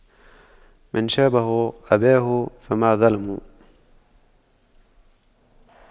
من شابه أباه فما ظلم